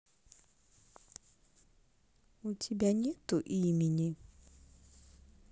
у тебя нету имени